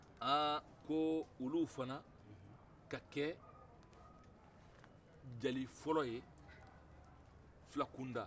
aaah ko olu fɛnɛ ka kɛ jeli fɔlɔ ye fila kunda